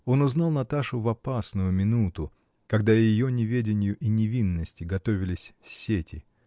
Он узнал Наташу в опасную минуту, когда ее неведению и невинности готовились сети.